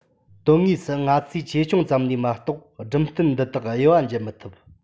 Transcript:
དོན དངོས སུ ང ཚོས ཆེ ཆུང ཙམ ལས མ གཏོགས སྦྲུམ རྟེན འདི དག དབྱེ བ འབྱེད མི ཐུབ